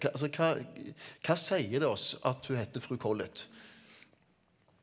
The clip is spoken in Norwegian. hva altså hva hva sier det oss at hun heter fru Collett?